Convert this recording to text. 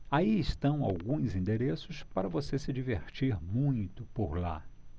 aí estão alguns endereços para você se divertir muito por lá